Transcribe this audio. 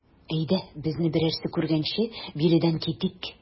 Әйдә, безне берәрсе күргәнче биредән китик.